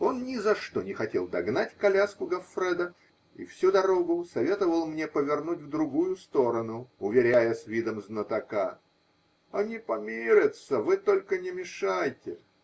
Он ни за что не хотел догнать коляску Гоффредо и всю дорогу советовал мне повернуть в другую сторону, уверяя с видом знатока: -- Они помирятся, вы только не мешайте.